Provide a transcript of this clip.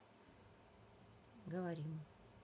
говорим